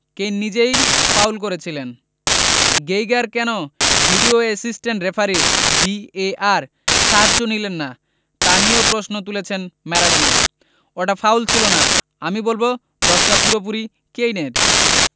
Kane নিজেই foul করেছিলেন Geiger কেন ভিডিও অ্যাসিস্ট্যান্ট রেফারির ভিএআর সাহায্য নিলেন না তা নিয়েও প্রশ্ন তুলেছেন ম্যারাডোনা ওটা ফাউল ছিল না আমি বলব দোষটা পুরোপুরি কেইনের